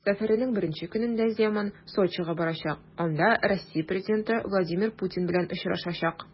Сәфәренең беренче көнендә Земан Сочига барачак, анда Россия президенты Владимир Путин белән очрашачак.